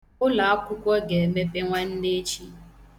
Ụlọakwụkwọ ga-emepe nwanneechi.